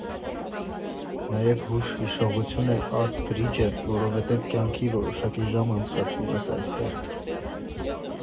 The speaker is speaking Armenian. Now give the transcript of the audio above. Նաև հուշ֊հիշողություն է Արտ Բրիջը, որովհետև կյանքի որոշակի ժամ անցկացնում ես այստեղ։